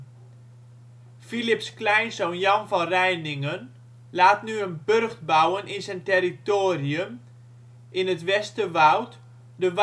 Philips ' kleinzoon Jan van Rijningen laat nu een burcht bouwen in zijn territorium in het (Wester -) Woud: de